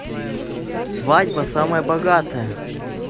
свадьба самая богатая